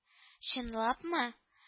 — чынлапмы